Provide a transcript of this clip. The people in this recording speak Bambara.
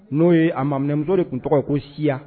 N'o ye a ma minɛmuso de tun tɔgɔ ye ko siya